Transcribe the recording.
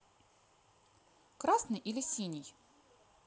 красный или синий